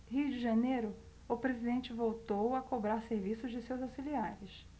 rio de janeiro o presidente voltou a cobrar serviço de seus auxiliares